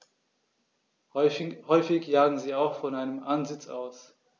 Häufig jagen sie auch von einem Ansitz aus.